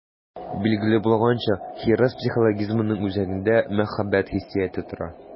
Билгеле булганча, хирыс психологизмының үзәгендә мәхәббәт хиссияте тора.